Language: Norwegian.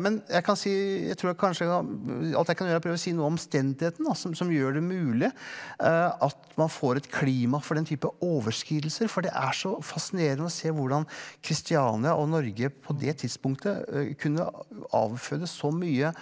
men jeg kan si jeg tror at kanskje alt jeg kan gjøre er å prøve å si noe omstendighetene da som som gjør det mulige at man får et klima for den type overskridelser for det er så fasinerende å se hvordan Kristiania og Norge på det tidspunktet kunne avføde så mye